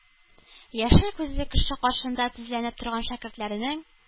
Яшел күзле кеше, каршында тезләнеп торган шәкертләрнең